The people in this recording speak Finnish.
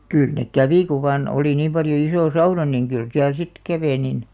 kyllä ne kävi kun vain oli niin paljon iso sauna niin kyllä siellä sitten kävi niin